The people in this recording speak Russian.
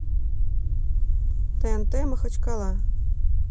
тнт махачкала